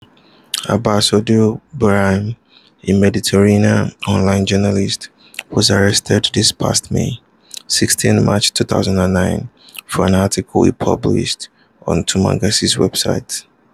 Abbass Ould Braham, a Mauritanian online journalist was arrested this past Monday, 16 March 2009, for an article he published on Taqadoumy website.